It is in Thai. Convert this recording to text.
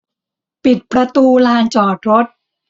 ปิดประตูลานจอดรถ